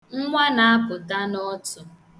Nwa na-apụta n' ọtụ.